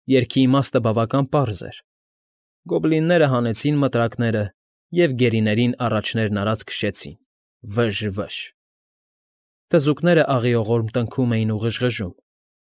Երգի իմաստը բավական պարզ էր. գոբլինները հանեցին մտրակները և գերիներին առաջներն արած քշեցին՝ վը՜ժժ֊վը՜ժժ… Թզուկները աղիողորմ տնքում էին և ղժղժում։